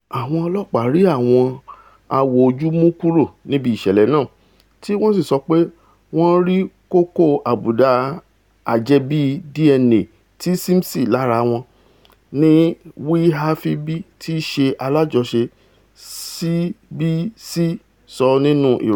Àwọn ọlọ́ọ̀pá rí àwọn awò ojú mú kúrò níbì ìṣẹ̀lẹ̀ náà tí wọ́n sì sọ pé wọ́n rí kókó àbùdá àjẹbí DNA ti Simpson lára wọn, ní WAFB tííṣe alájọṣe CBS sọ nínú ìròyìn.